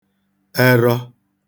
ẹrọ